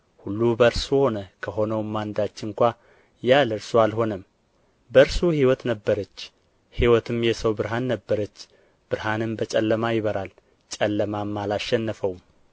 ሁሉ በእርሱ ሆነ ከሆነውም አንዳች ስንኳ ያለ እርሱ አልሆነም በእርሱ ሕይወት ነበረች ሕይወትም የሰው ብርሃን ነበረች ብርሃንም በጨለማ ይበራል ጨለማም አላሸነፈውም